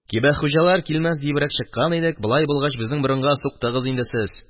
Кибәхуҗалар килмәс диебрәк чыккан идек, болай булгач, безнең борынга суктыгыз инде сез